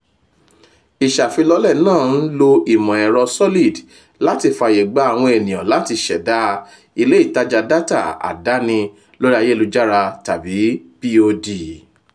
Ìṣàfilọ́̀lẹ̀ náà ń lo ìmọ̀ ẹ̀rọ Solid láti fààyègba àwọn ènìyàn láti ṣẹ̀dá “ilé ìtàjà dátà adáni lórí ayélujára” tàbí POD.